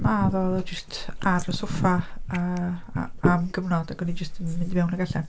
Naddo, jest ar y soffa a... am gyfnod, ac o'n i jyst mynd fewn ac allan.